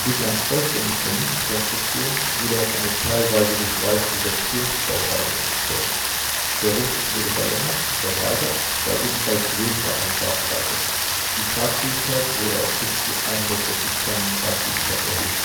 bislang vollständig vernietete Konstruktion wurde auf eine teilweise geschweißte Sektionsbauweise umgestellt. Der Rumpf wurde verlängert und verbreitert bei ebenfalls größerer Einfahrtbreite. Die Tragfähigkeit wurde auf bis zu 140 t Tragfähigkeit erhöht.